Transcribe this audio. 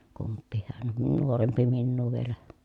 kumpikin - nuorempi minua vielä